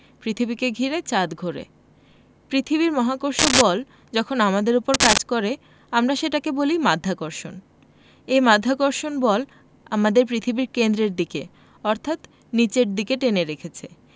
পৃথিবীকে ঘিরে চাঁদ ঘোরে পৃথিবীর মহাকর্ষ বল যখন আমাদের ওপর কাজ করে আমরা সেটাকে বলি মাধ্যাকর্ষণ এই মাধ্যাকর্ষণ বল আমাদের পৃথিবীর কেন্দ্রের দিকে অর্থাৎ নিচের দিকে টেনে রেখেছে